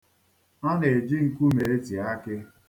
A na-eji nkume eti akị.